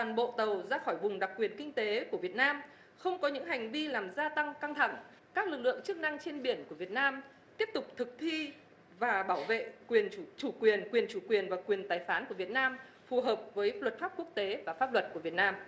toàn bộ tàu ra khỏi vùng đặc quyền kinh tế của việt nam không có những hành vi làm gia tăng căng thẳng các lực lượng chức năng trên biển của việt nam tiếp tục thực thi và bảo vệ quyền chủ chủ quyền quyền chủ quyền và quyền tài phán của việt nam phù hợp với luật pháp quốc tế và pháp luật của việt nam